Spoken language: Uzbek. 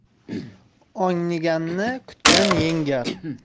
ongniganni kutgan yengar